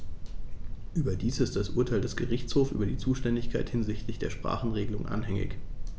Überdies ist das Urteil des Gerichtshofes über die Zuständigkeit hinsichtlich der Sprachenregelung anhängig.